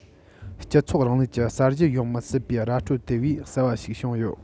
སྤྱི ཚོགས རིང ལུགས ཀྱི གསར བརྗེ ཡོང མི སྲིད པའི ར སྤྲོད དེ བས གསལ བ ཞིག བྱུང ཡོད